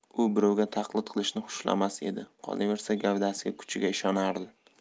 u birovga taqlid qilishni xushlamas edi qolaversa gavdasiga kuchiga ishonardi